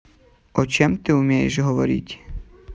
о чем ты умеешь говорить